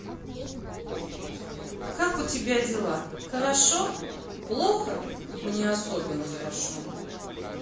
как у тебя дела хорошо плохо мне особенно хорошо